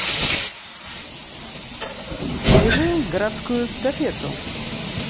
бежим городскую эстафету